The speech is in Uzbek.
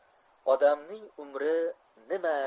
odamning umri nima